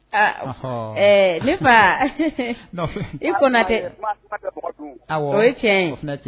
Ne fa i ko tɛ a tiɲɛ